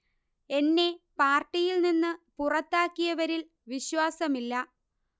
എന്നെ പാർട്ടിയിൽ നിന്ന് പുറത്താക്കിയവരിൽ വിശ്വാസമില്ല